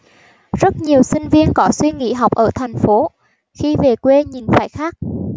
rất nhiều sinh viên có suy nghĩ học ở thành phố khi về quê nhìn phải khác